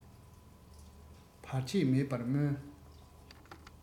བར ཆད མེད པར སྨོན